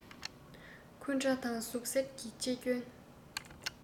འཁུན སྒྲ དང ཟུག གཟེར གྱིས ཅི སྐྱོན